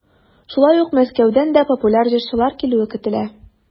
Шулай ук Мәскәүдән дә популяр җырчылар килүе көтелә.